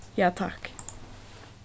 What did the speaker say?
ja takk